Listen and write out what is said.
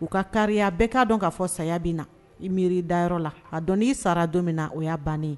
U ka kariya bɛɛ k'a dɔn k'a fɔ saya bɛ na, i miiri i dayɔrɔ la, a dɔ la n'i sara don min na o y'a bannen